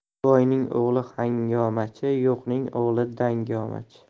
boyning o'g'li hangamachi yo'qning o'g'li dangamachi